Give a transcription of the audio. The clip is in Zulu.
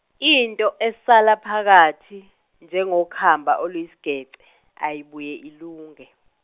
into esala phakathi, njengokhamba oluyisigece ayibuye ilunge.